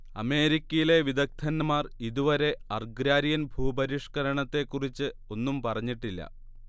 അമേരിക്കയിലെ വിദഗ്‌ദ്ധന്മാർ ഇതുവരെ അർഗ്രാരിയൻ ഭൂപരിഷ്കരണത്തെക്കുറിച്ച് ഒന്നും പറഞ്ഞിട്ടില്ല